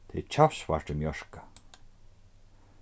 tað er kjaftsvart í mjørka